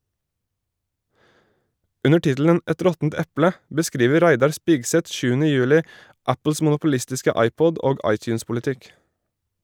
Under tittelen "Et råttent eple" beskriver Reidar Spigseth 7. juli Apples monopolistiske iPod- og iTunes-politikk.